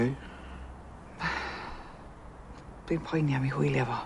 Yy dwi'n poeni am i hwylia fo.